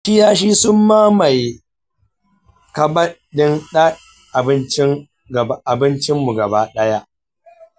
ƙiyashi sun mamaye kabad ɗin abincinmu gaba ɗaya.